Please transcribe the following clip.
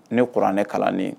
Ne k kɔrɔuran ne kalanen